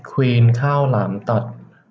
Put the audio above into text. ควีนข้าวหลามตัด